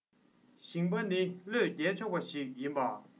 ཞིང པ ནི བློས འགེལ ཆོག པ ཞིག ཡིན པ